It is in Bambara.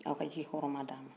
aw ka ji hɔrɔnman di anw ma